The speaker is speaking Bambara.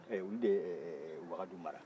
ee olu de ye wagadu mara